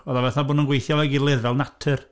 Oedd o fatha bo' nhw'n gweithio efo'i gilydd fel natur.